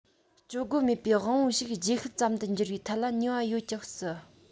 སྤྱོད སྒོ མེད པའི དབང པོ ཞིག རྗེས ཤུལ ཙམ དུ འགྱུར བའི ཐད ལ ནུས པ ཡོད ཀྱང སྲིད